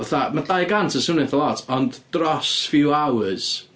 Fatha ma' dau gant yn swnio eitha lot, ond dros few hours.